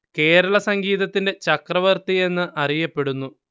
കേരള സംഗീതത്തിന്റെ ചക്രവർത്തി എന്നു അറിയപ്പെടുന്നു